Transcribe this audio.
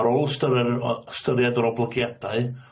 Ar ôl ystyrie- yy ystyried yr oblygiadau